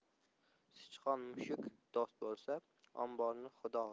sichqon mushuk do'st bo'lsa omborni xudo urar